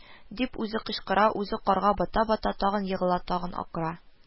– дип үзе кычкыра, үзе карга бата-бата, тагы егыла, тагы акыра: